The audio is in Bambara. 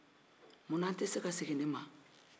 munna an tɛ se ka segin nin ma